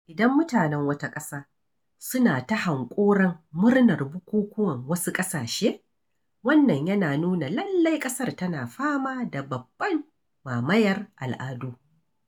Idan mutanen wata ƙasa suna ta hanƙoron murnar bukukuwan wasu ƙasashe, wannan yana nuna lallai ƙasar tana fama da babban mamayar al'adu.